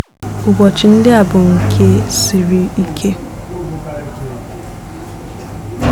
Ụbọchị ndị a bụ nke siri ike.